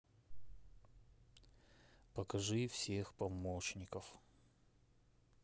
покажи всех помощников